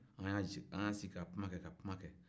an y'an sigi ka kuma kɛ ka kuma kɛ ka kuma kɛ